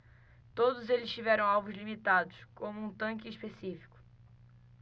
todos eles tiveram alvos limitados como um tanque específico